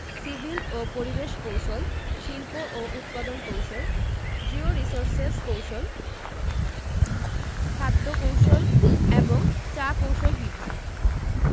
civil ও পরিবেশ কৌশল শিল্প ও উৎপাদন কৌশল জিওরির্সোসেস কৌশল খাদ্য কৌশল এবং চা কৌশল বিভাগ